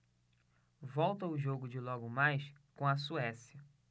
volto ao jogo de logo mais com a suécia